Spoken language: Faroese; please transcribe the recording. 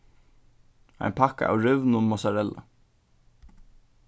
ein pakka av rivnum mozzarella